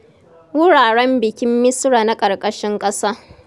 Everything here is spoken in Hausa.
Wuraren bikin Misira na ƙarƙashin ƙasa.